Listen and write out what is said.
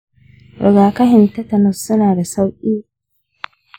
rigakafin tetanus suna da aminci da sauƙin saye.